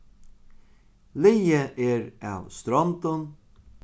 liðið er av strondum